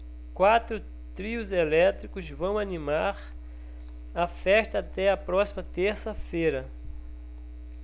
quatro trios elétricos vão animar a festa até a próxima terça-feira